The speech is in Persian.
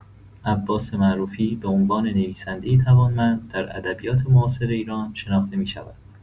عباس معروفی به عنوان نویسنده‌ای توانمند در ادبیات معاصر ایران شناخته می‌شود.